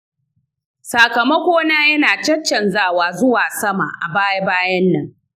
sakamakona ya na caccanjawa zuwa sama a baya-bayan nan.